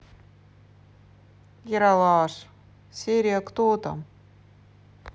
ералаш серия кто там